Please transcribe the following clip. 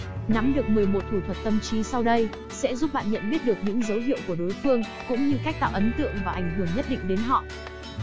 nắm được thủ thuật tâm trí sau đây sẽ giúp bạn nhận biết được những dấu hiệu tích cực hay tiêu cực của đối phương cũng như cách tạo ấn tượng và ảnh hưởng nhất định đến họ